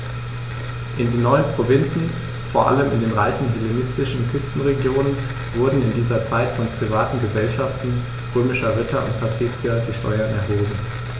In den neuen Provinzen, vor allem in den reichen hellenistischen Küstenregionen, wurden in dieser Zeit von privaten „Gesellschaften“ römischer Ritter und Patrizier die Steuern erhoben.